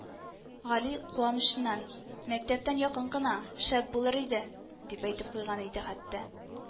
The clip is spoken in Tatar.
Гали куанычыннан: Мәктәптән якын гына, шәп булыр иде, - дип әйтеп куйган иде хәтта